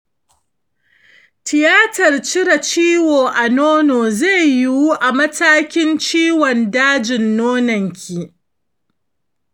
tiyatar cire ciwo a nono zai yiwu a matakin ciwon dajin nononki.